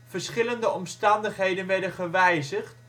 Verschillende omstandigheden werden gewijzigd